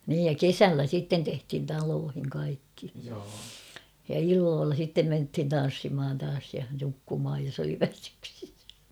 niin ja kesällä sitten tehtiin taloihin kaikki ja illoilla sitten mentiin tanssimaan taas ja nukkumaan jos oli väsyksissä